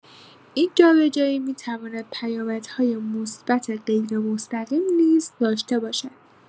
این جابه‌جایی می‌تواند پیامدهای مثبت غیرمستقیم نیز داشته باشد.